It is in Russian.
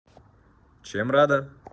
чем рада